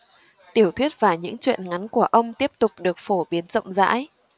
tiểu thuyết và những chuyện ngắn của ông tiếp tục được phổ biến rộng rãi